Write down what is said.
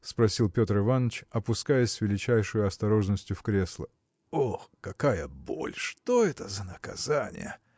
– спросил Петр Иваныч, опускаясь с величайшею осторожностью в кресла. – Ох! какая боль! что это за наказание!